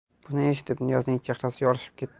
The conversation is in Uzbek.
buni eshitib niyozning chehrasi yorishib